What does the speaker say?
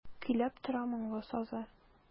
Көйләп тора моңлы сазы.